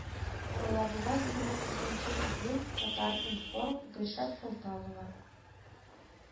Алабуга, егерме тугызынчы июнь, Татар информ , Гөлшат Солтанова